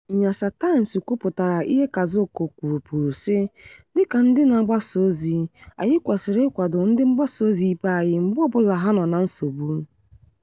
Nyasatimes kwupụtara ihe Kazako kwuburu sị, "Dịka ndị na-agbasaozi, anyị kwesịrị ịkwado ndị mgbasaozi ibe anyị mgbe ọbụla ha nọ na nsogbu.